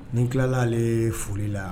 Nin tilala ale furu la